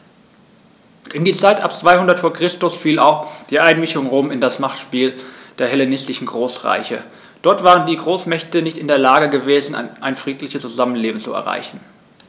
In die Zeit ab 200 v. Chr. fiel auch die Einmischung Roms in das Machtspiel der hellenistischen Großreiche: Dort waren die Großmächte nicht in der Lage gewesen, ein friedliches Zusammenleben zu erreichen.